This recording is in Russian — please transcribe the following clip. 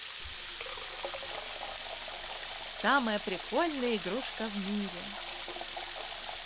самая прикольная игрушка в мире